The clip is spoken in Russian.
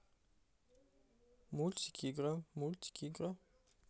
мультики игра мультики игра